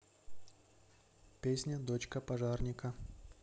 песня дочка пожарника